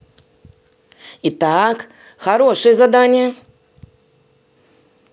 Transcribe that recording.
итак хорошее задание